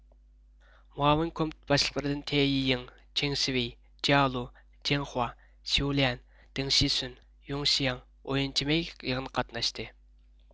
مۇئاۋىن كومىتېت باشلىقلىرىدىن تيېيىڭ چېڭسىۋېي جيالۇ جېڭخۇا شيۇليەن دىڭ شىسۈن يوڭشياڭ ئويۇنچېمىگ يىغىنغا قاتناشتى